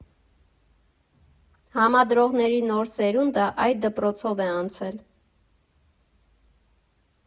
Համադրողների նոր սերունդը այդ դպրոցով է անցել։